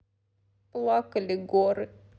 плакали горы